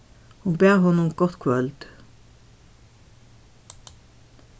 hon bað honum gott kvøld